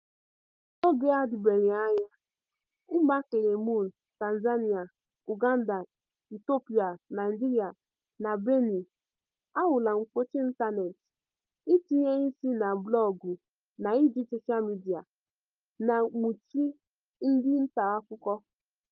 N'oge n'adịbeghị anya, mba Cameroon, Tanzania, Uganda, Ethiopia, Naịjirịa, na Benin a hụla mkpọchi ịntaneetị, ntinye ụtụisi na blọọgụ na iji soshal midịa, na nwụchi ndị ntaakụkọ.